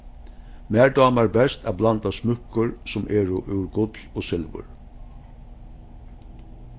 mær dámar best at blanda smúkkur sum eru úr gull og silvur